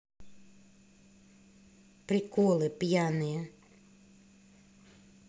приколы пьяные